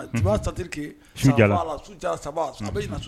B' sake saba